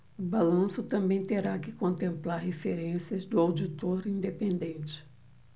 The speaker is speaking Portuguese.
o balanço também terá que contemplar referências do auditor independente